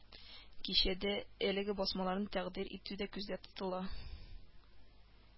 Кичәдә әлеге басмаларны тәкъдир итү дә күздә тотыла